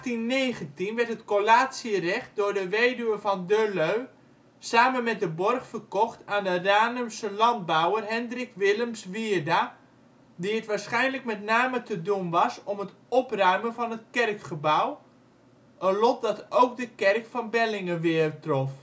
In 1819 werd het collatierecht door de weduwe van Durleu samen met de borg verkocht aan de Ranumse landbouwer Hendrik Willems Wierda, die het waarschijnlijk met name te doen was om het opruimen van het kerkgebouw, een lot dat ook de kerk van Bellingeweer trof